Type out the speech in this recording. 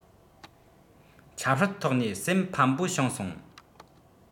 ཆབ སྲིད ཐོག ནས སེམས ཕམས པོ བྱུང སོང